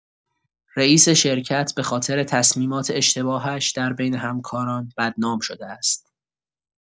رئیس شرکت به‌خاطر تصمیمات اشتباهش در بین همکاران بدنام شده است.